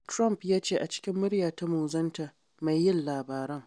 Trump ya ce a cikin muryarsa ta muzanta “mai yin labaran”.